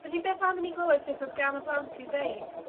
Felly beth am i ni glywed beth oedd gan y blant i'w ddeud?